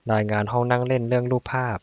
รายงานห้องนั่งเล่นเรื่องรูปภาพ